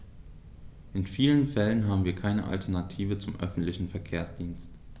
In vielen Fällen haben wir keine Alternative zum öffentlichen Verkehrsdienst.